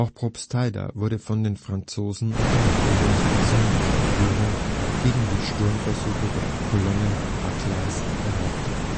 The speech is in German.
Probstheida wurde von den Franzosen unter Napoleons persönlicher Führung gegen die Sturmversuche der Kolonne Barclays behauptet